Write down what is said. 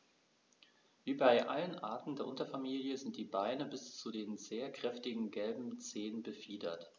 Wie bei allen Arten der Unterfamilie sind die Beine bis zu den sehr kräftigen gelben Zehen befiedert.